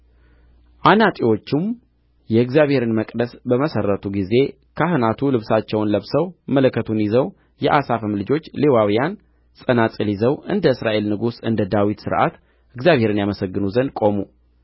አናጢዎቹም የእግዚአብሔርን መቅደስ በመሠረቱ ጊዜ ካህናቱ ልብሳቸውን ለብሰው መለከቱን ይዘው የአሳፍም ልጆች ሌዋውያን ጸናጽል ይዘው እንደ እስራኤል ንጉሥ እንደ ዳዊት ሥርዓት እግዚአብሔርን ያመሰግኑ ዘንድ ቆሙ